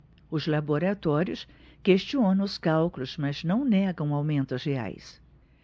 os laboratórios questionam os cálculos mas não negam aumentos reais